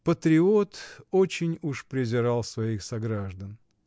Патриот* очень уж презирал своих сограждан.